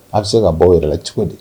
A bɛ se ka balo o de la cogo di?